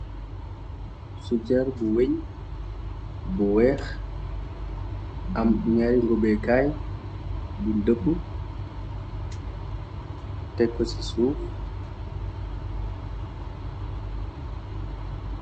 Su jar bu weñ bu weex am ñyaari ngobekaay buñ ndëpp té ko ci suuf.